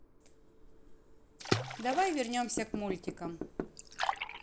давай вернемся к мультикам